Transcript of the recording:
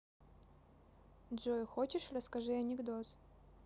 джой хочешь расскажи анекдот